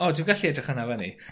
O dwi gallu edrych hwnna fyny.